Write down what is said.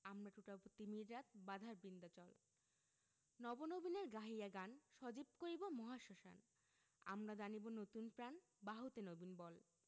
আমরা টুটাব তিমির রাত বাধার বিন্ধ্যাচল নব নবীনের গাহিয়া গান সজীব করিব মহাশ্মশান আমরা দানিব নতুন প্রাণ বাহুতে নবীন বল